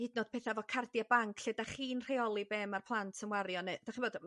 hydnod petha' efo cardia' banc lle 'dach chi'n rheoli be mae'r plant yn wario neu d'chod